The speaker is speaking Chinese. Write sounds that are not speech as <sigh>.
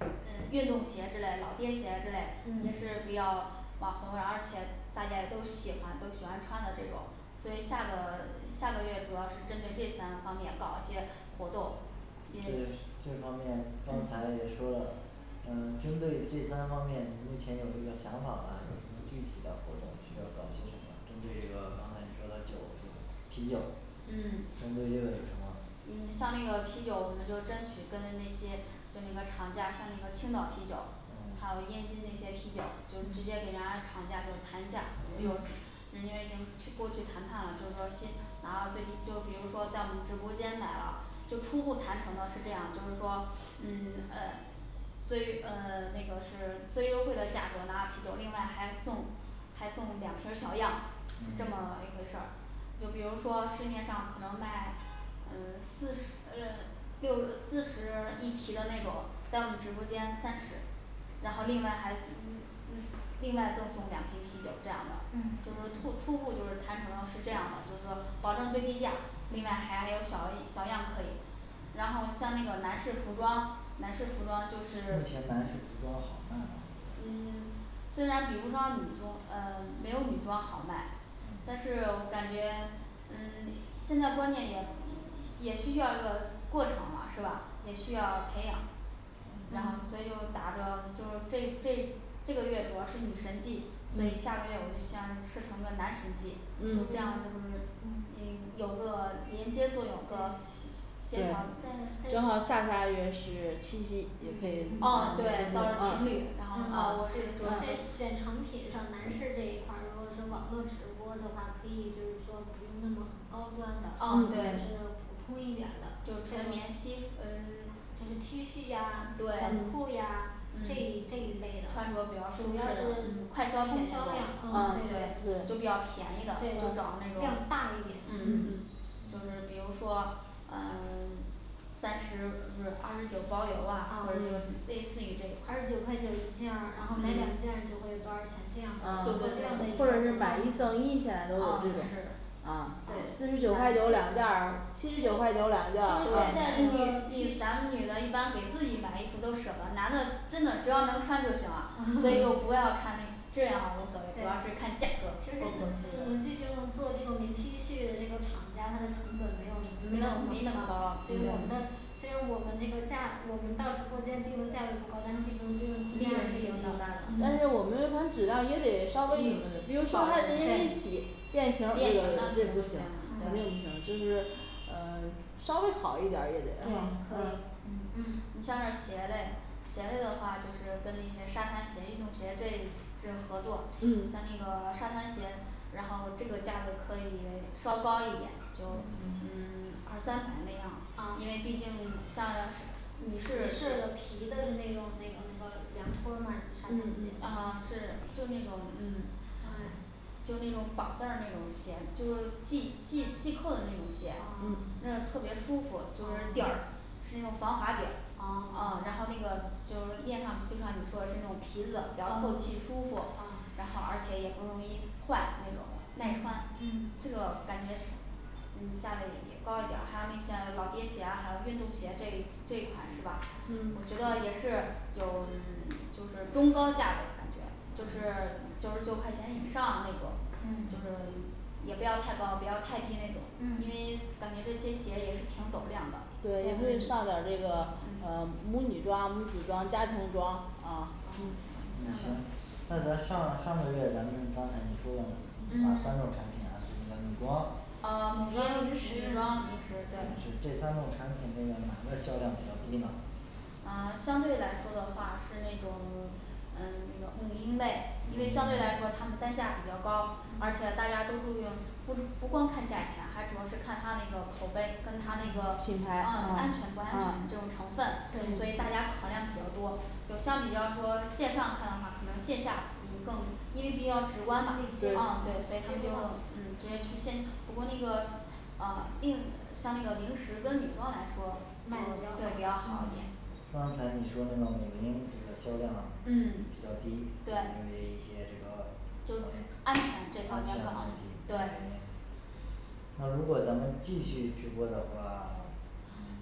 嗯运动鞋之类，老爹鞋之类也是比嗯较网红，而且大家也都喜欢都喜欢穿的这种所以下个 <silence> 下个月主要是针对这三方面搞一些活动。这是也这方面刚才嗯也说了嗯针对这三方面你目前有这个想法吗？有什么具体的活动需要搞些什么？针对这个刚才你说的酒啤酒嗯相对这个有什么像那个啤酒，我们就争取跟那些跟那个厂家，像那个青岛啤酒，还有嗯燕京那些啤酒就直接给人嗯家厂家就谈价有嗯人员已经去过去谈判了，就是说先 <unintelligible> 拿到最低，就比如说在我们直播间来了，就初步谈成的是这样，就是说嗯 <silence> 呃所以呃 <silence> 那个是最优惠的价格，拿到啤酒另外还送还送两瓶小样儿，是这嗯么一回事儿。就比如说市面上可能卖嗯四十嗯六四十 <silence> 一提的那种，在我们直播间三十然后另外还嗯嗯另外赠送两瓶啤酒这样的。就嗯是托 <unintelligible> 初步就是谈成了是这样儿的，就是说保证最低价，另外还有小小样儿可以然后像那个男士服装男士目前男士服服装就是装好卖吗嗯目前 <silence> 虽然比不上女装呃 <silence> 没有女装好卖但是我感觉嗯 <silence> 现在关键也嗯也需要一个过程啦是吧？也需要培养然后所以就嗯嗯打着就是这这嗯这个月主要是女神季，所以下个月我就想设成个男神季，就这样这不嗯是嗯有个连接作用和对在协调在嗯对对到正时好候儿下下个月是七夕也可以啊儿情侣然后啊啊我是主要是在选成品上男士这一块儿，如果是网络直播的话，可以就是说不用那么很高端的，啊对就是普通一点的，就就纯棉T嗯 <silence> 就对嗯是 T恤呀短裤呀这一这一类的，穿着比较舒主适要是的嗯 <silence> 快消品冲这销种量嗯嗯对对就对比量较便宜的就找那种大一点的嗯就是比如说嗯 <silence> 三十嗯不是二十九嗯嗯包邮啊，或者就类似于这种二嗯十对九对对块九啊一件儿，然后买两件儿就会有多少钱这样啊的，做这样的一个或活者是买一赠动一现在都有这种是啊四十对九块九两件对女女咱儿七十九块九两件儿啊，们女的一般给自己买衣服都舍得，男的真的只要能穿就行了，所以就不要看那质量无所谓，主要是对看价其格实够不够心动嗯 <silence> 这就是做这种棉T恤的这个厂家，它的成本没，没那么有没没那那么么高高所以我们嗯的嗯对虽然我们那个价我们到直播间定的价位不高，但是这个利利润空润间，嗯也挺大的但是我们这款质量也得稍微比如说他人家一洗变变形形这个，肯那这定不不行行对就是 <silence> 呃 <silence> 稍微好一点儿也对得啊啊可以，嗯你像这鞋类鞋类的话就是跟那些沙滩鞋运动鞋这一这合作，像那嗯个沙滩鞋然后这个价位可以再稍高一点就嗯嗯 <silence> 二三百那样儿，因为毕啊竟像女女士士啊的皮的那种那个那个凉拖儿嘛啥东西是就那种嗯嗯就那种绑带儿那种鞋就是系系系扣的那种鞋嗯那样儿特别舒嗯服，就是底儿嗯是那种防滑底儿，啊哦 <silence> 然后那个就是面上就像你说的那种皮子嗯的比嗯较透气舒服，然后而且也不容易坏那嗯种耐穿嗯这个感觉是嗯价位也高一点儿，还有那像老爹鞋啊，还有运动鞋这一这一款是吧？我觉嗯得也是有嗯 <silence> 就是中高价位感觉就是 <silence> 九十九块钱以上那种就是嗯 <silence> 也不要太高不要太低那种嗯，因为对，<silence> 感觉这些鞋也是挺走量的，对也可以上点儿那个呃母女装、母子装、家庭装啊那行那咱上上个月咱们刚才你说的哪三种嗯产品啊是那个女装啊母，婴零食女女装装零零食食对这三种产品那个哪个销量比较低呢嗯 <silence> 相对来说的话是那种 <silence> 嗯那个母婴类母，因婴为类相对来说它们单价比较高，而且大家都注用不不光看价钱，还主要是看它那个口碑跟它那个品牌啊啊安全不安啊全这种成分。所以对大家考量比较多就相比较说线上看的话可能线下嗯更因为比较直观嘛，嗯对，所以他们就嗯直接去线不过那个啊另像那个零食跟女装来说卖的对比比较较好嗯一点刚才你说这个母婴这个销量嗯比较低，因对为一些这个就是安全安这全的方问题面对原因那如果咱们继续直播的话 <silence>